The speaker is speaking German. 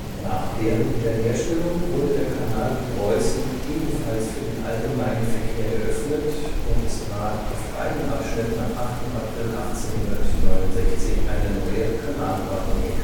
Nach deren Wiederherstellung wurde der Kanal in Preußen ebenfalls für den allgemeinen Verkehr geöffnet und es trat auf beiden Abschnitten am 8. April 1869 eine neue Kanalordnung